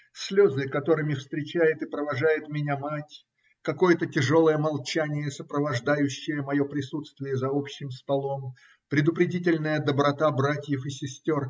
Слезы, которыми встречает и провожает меня мать, какое-то тяжелое молчание, сопровождающее мое присутствие за общим столом, предупредительная доброта братьев и сестер